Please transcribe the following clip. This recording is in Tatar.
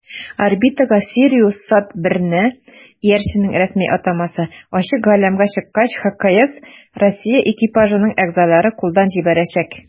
Орбитага "СириусСат-1"ны (иярченнең рәсми атамасы) ачык галәмгә чыккач ХКС Россия экипажының әгъзалары кулдан җибәрәчәк.